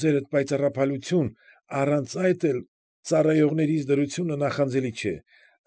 Ձերդ պայծառափայլություն, առանց այդ էլ ծառայողներիս դրությունը նախանձելի չէ։